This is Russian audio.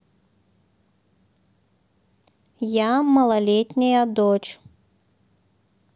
я малолетняя дочь